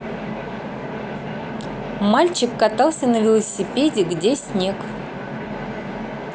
мальчик катался на велосипеде где снег